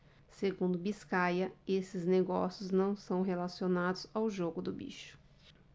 segundo biscaia esses negócios não são relacionados ao jogo do bicho